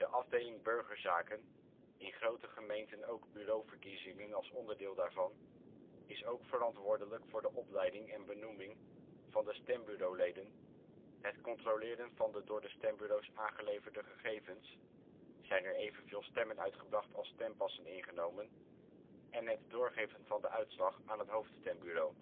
afdeling burgerzaken (in grote gemeenten ook Bureau Verkiezingen als onderdeel daarvan) is ook verantwoordelijk voor de opleiding en benoeming van de stembureauleden, het controleren van de door de stembureau 's aangeleverde gegevens (zijn er evenveel stemmen uitgebracht als stempassen ingenomen) en het doorgeven van de uitslag aan het hoofdstembureau